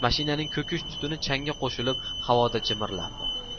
mashinaning ko'kish tutuni changga qo'shilib havoda jimirlardi